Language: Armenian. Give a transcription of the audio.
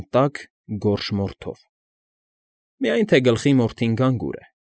Են տաք, գորշ մորթով։ Միայն թե գլխի մորթին գանգուր է։